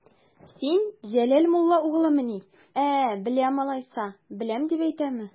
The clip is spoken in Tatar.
Син Җәләл мулла угълымыни, ә, беләм алайса, беләм дип әйтәме?